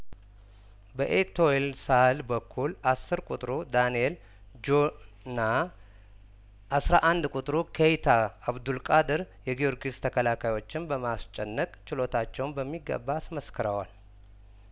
በኤቶይል ሳህል በኩል አስር ቁጥሩ ዳንኤል ጆና አስራ አንድ ቁጥሩ ኬይታ አብዱል ቃድር የጊዮርጊስ ተከላካዮችን በማስጨነቅ ችሎታቸውን በሚገባ አስመስክረዋል